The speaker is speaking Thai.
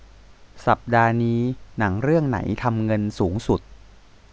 สัปดาห์นี้หนังเรื่องไหนทำเงินสูงสุด